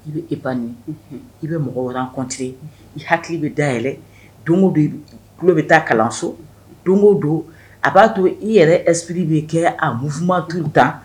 I be épargne i be mɔgɔw rencontre i hakili be dayɛlɛ don go don. I kulo be taa kalanso don o don a ba to i yɛrɛ esprit bi kɛ en mouvement tout le temps